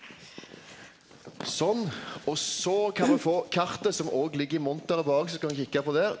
sånn og så kan me få kartet som óg ligg i monteret bak så kan me kikka på det.